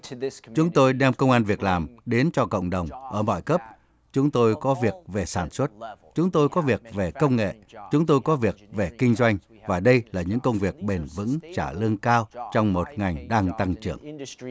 chúng tôi đem công ăn việc làm đến cho cộng đồng ở mọi cấp chúng tôi có việc về sản xuất chúng tôi có việc về công nghệ chúng tôi có việc về kinh doanh và đây là những công việc bền vững trả lương cao trong một ngành đang tăng trưởng